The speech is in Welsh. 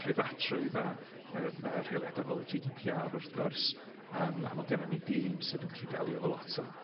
preifatrwydd a yy yy rheoliada' fel y Gee Dee Pee Are, wrth gwrs, yym a ma' gennon ni dîm sydd yn gallu delio efo lot o